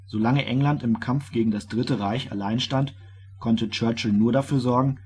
Solange England im Kampf gegen das " Dritte Reich " allein stand, konnte Churchill nur dafür sorgen